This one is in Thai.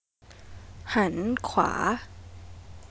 หันขึ้วา